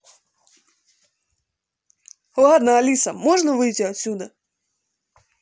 ладно алиса можно выйти отсюда